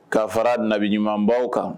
Ka fara nabi ɲumanbaw kan